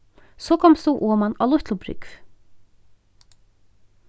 so komst tú oman á lítlubrúgv